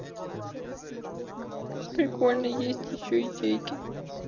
прикольно есть еще идейки